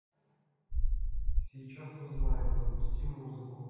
сейчас узнаем запусти музыку